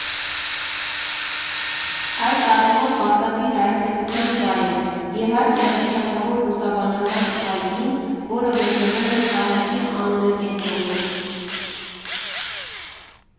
Այս առումով պարտադիր այցելության վայր է, իհարկե, հռչակավոր Բուսաբանական այգին, որը գտնվում է քաղաքի ամենակենտրոնում։